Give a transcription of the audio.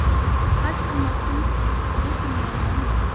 haj qilmoqchimishsan bu ham yolg'onmi